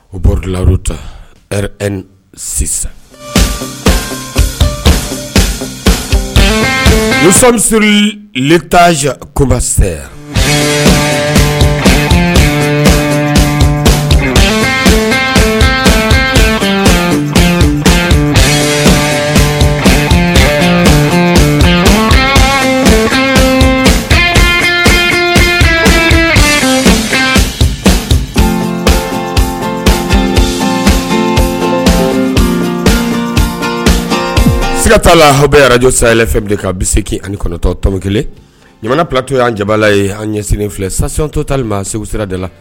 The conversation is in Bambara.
U b' lauru ta sisanmusori leta koba sɛ siga t'a la aw bɛ araj sayay fɛn k'a bɛ se k ani kɔnɔtɔnto kelen jamana patɔ y'an jabala ye an ɲɛ sen filɛ sasi to ta ma segu sira de la